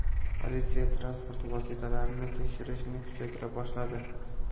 politsiya transport vositalarini tekshirishni kuchaytira boshladi